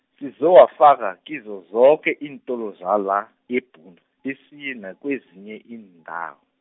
sizowafaka kizo zoke iintolo zala eBhundu besiye nakwezinye iindawo.